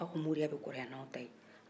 aw ka moriya bɛ kɔrɔya ni anw ta ye